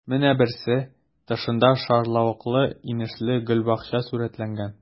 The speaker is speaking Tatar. Менә берсе: тышында шарлавыклы-инешле гөлбакча сурәтләнгән.